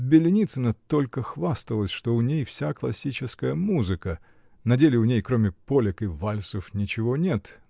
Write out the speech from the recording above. -- Беленицына только хвасталась, что у ней вся классическая музыка, -- на деле у ней, кроме полек и вальсов, ничего нет